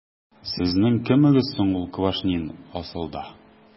Сезнең кемегез соң ул Квашнин, асылда? ..